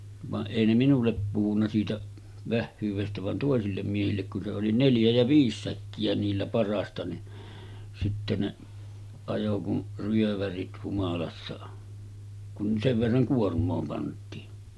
vaan ei ne minulle puhunut siitä vähyydestä vaan toisille miehille kun se oli neljä ja viisi säkkiä niillä parhaasta niin sitten ne ajoi kuin ryövärit humalassa kun sen verran kuormaa pantiin